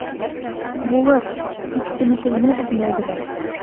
Булыр, тик өметеңне өзмә генә...